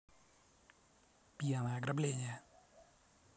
пьяное ограбление